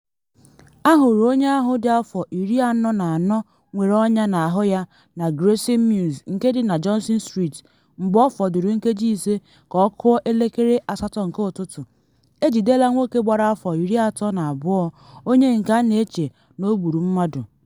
A hụrụ onye ahụ dị afọ iri anọ na anọ nwere ọnya n'ahụ ya na Grayson Mews nke dị na Johnson Street mgbe ọ fọdụrụ nkeji ise ka ọ kụọ elekere asatọ nke ụtụtụ. E jidela nwoke gbara afọ iri atọ na abụọ onye nke a na-eche na o gburu mmadụ.